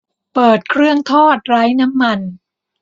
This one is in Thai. เปิดเครื่องทอดไร้น้ำมัน